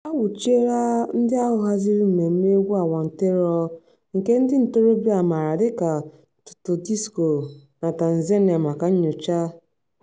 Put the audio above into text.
A nwụchiela ndị ahụ haziri mmemme egwu awantịrọ nke ndị ntorobịa a maara dịka 'Toto disco' na Tanzania maka nnyocha.